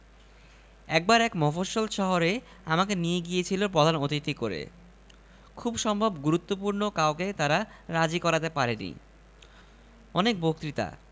কিছুক্ষণের মধ্যেই টিকটিকির মত এর ল্যাজ ধসে পড়ল দড়ির শিকা বাঁকা হয়ে দাঁড়ানো কলসি কাঁখে বিশালা বক্ষ বঙ্গ ললনা কিনলাম